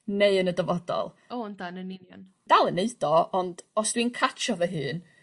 neu yn y dyfodol. O yndan yn union. Dal yn neid o ond os dwi'n catsio fy hun